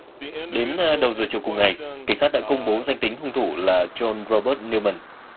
đến đầu giờ chiều cùng ngày cảnh sát đã công bố danh tính hung thủ là dôn rô bớt niu mừn